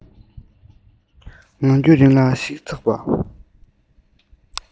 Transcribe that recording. ངང རྒྱུད རིང ལ ཞིབ ཚགས པ